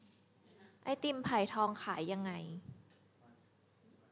ไอติมไผ่ทองขายยังไง